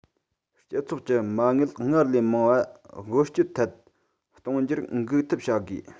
སྤྱི ཚོགས ཀྱི མ དངུལ སྔར ལས མང བ དབུལ སྐྱོར ཐད གཏོང རྒྱུར འགུགས ཐབས བྱ དགོས